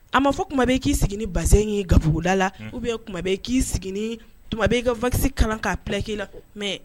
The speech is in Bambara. A ma fɔ kuma bɛ i ki sigi ni bazɛn ye gabuguda la oubien kuma bɛ ki sigi ni , tuma bɛɛ ka vacci kala ka plaqué i la. Mais